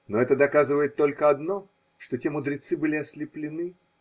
Но это доказывает только одно: что те мудрецы были ослеплены.